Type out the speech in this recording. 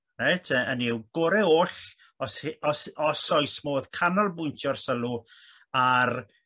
reit hynny yw gore oll os os os oes modd canolbwyntio'r sylw ar